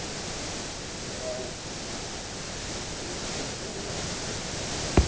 найди включи тв